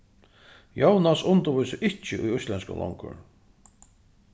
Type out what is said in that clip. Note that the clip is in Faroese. jónas undirvísir ikki í íslendskum longur